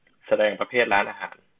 แสดงประเภทร้านอาหาร